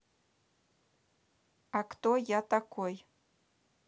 а кто я такой